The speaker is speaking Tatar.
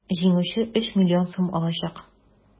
Җиңүче 3 млн сум алачак.